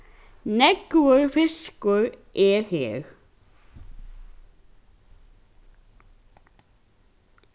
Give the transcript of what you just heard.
nógvur fiskur er her